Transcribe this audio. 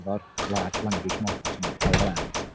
efo'r Large Language Models 'ma LLMs